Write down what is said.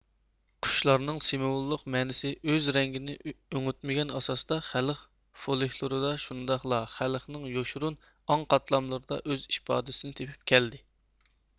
قۇشلارنىڭ سىمۋۇللۇق مەنىسى ئۆز رەڭگىنى ئۆڭۈتمىگەن ئاساستا خەلق فولىكلۇرىدا شۇنداقلا خەلقنىڭ يوشۇرۇن ئاڭ قاتلاملىرىدا ئۆز ئىپادىسىنى تېپىپ كەلدى